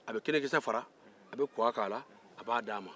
a bɛ kini kisɛ fara a bɛ kɔgɔ kɛ a la a b'a di a ma